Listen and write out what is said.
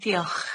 Diolch.